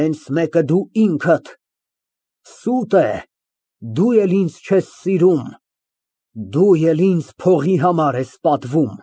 Հենց մեկը դու ինքդ։ Սուտ է, դու էլ ինձ չես սիրում, դու էլ ինձ փողի համար ես պատվում։